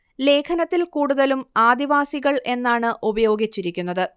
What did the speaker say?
ലേഖനത്തിൽ കൂടുതലും ആദിവാസികൾ എന്നാണ് ഉപയോഗിച്ചിരിക്കുന്നത്